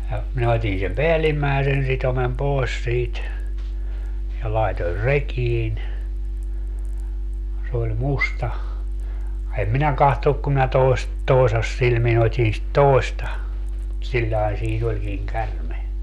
ja minä otin sen päällimmäisen sitomen pois siitä ja laitoin rekiin se oli musta en minä katsonut kun minä - toisasilmin otin sitä toista sillä lailla siinä olikin käärme